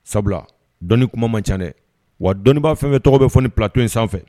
Sabula dɔnI kuma man can dɛ wa dɔnniibaa fɛn fɛn tɔgɔ bɛ fɔ nin plateau in sanfɛ